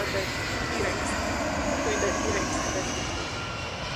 yn deud earings, dwi'n deud earings hefyd.